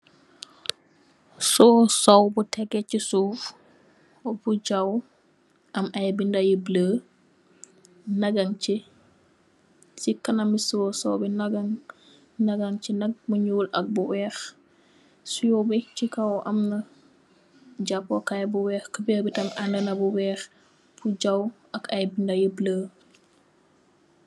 Sorwoh sowe bu tehgeh chii suff, bu bujaw am aiiy binda yu bleu, nak ngan chii, cii kanami siwoh sowe bii, nak ngan, nak ngan chi nak bu njull ak bu wekh, siyoh bii chi kaw amna jahpoh kai bu wekh kuberre bii tam aanda na bu wekh, bujaw ak aiiy binda yu bleu.